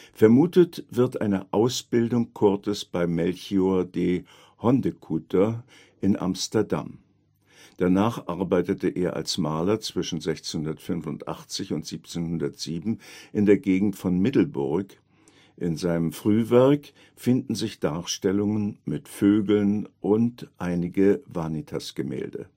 Vermutet wird eine Ausbildung Coortes bei Melchior de Hondecoeter in Amsterdam. Danach arbeitete er als Maler zwischen 1685 und 1707 in der Gegend von Middelburg. In seinem Frühwerk finden sich Darstellungen mit Vögeln und einige Vanitas-Gemälde